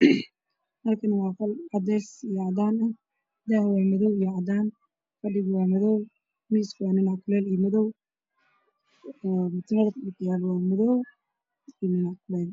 Meeshan waa qol waxaa ku jiro fadhiyo madow ah wuxuuna saaran barkimo rgoodu yahay madow guduud yaan horyaalo miis ayaa saaran